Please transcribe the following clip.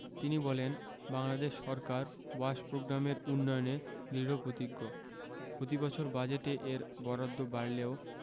তিনি বলেন বাংলাদেশ সরকার ওয়াশ প্রোগ্রামের উন্নয়নে দৃঢ়প্রতিজ্ঞ প্রতিবছর বাজেটে এর বরাদ্দ বাড়লেও